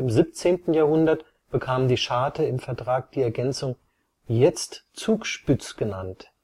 17. Jahrhundert bekam die Scharte im Vertrag die Ergänzung „ jetzt Zugspüz genant